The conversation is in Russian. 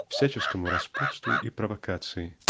всяческому распутству и провокации.